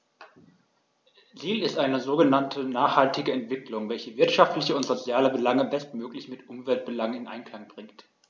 Ziel ist eine sogenannte nachhaltige Entwicklung, welche wirtschaftliche und soziale Belange bestmöglich mit Umweltbelangen in Einklang bringt.